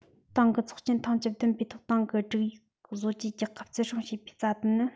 ཏང གི ཚོགས ཆེན ཐེངས བཅུ བདུན པའི ཐོག ཏང གི སྒྲིག ཡིག བཟོ བཅོས རྒྱག སྐབས བརྩི སྲུང བྱས པའི རྩ དོན ནི